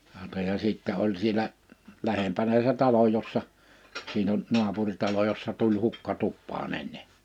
hauta ja sitten oli siellä lähempänä se talo jossa siinä on naapuritalo jossa tuli hukka tupaan ennen